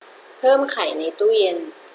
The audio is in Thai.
เพิ่มไข่ในตู้เย็น